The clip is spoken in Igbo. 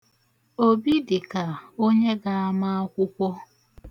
Obi dịka onye ga-ama akwụkwọ.